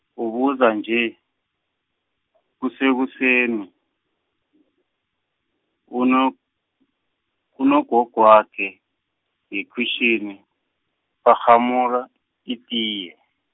ubuza nje, kusekuseni, uno- unogogwakhe, ngekhwitjhini, barhamula, itiye.